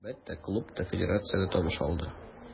Әлбәттә, клуб та, федерация дә табыш алды.